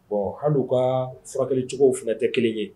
Bon halilu ka furakɛcogo fana tɛ kelen ye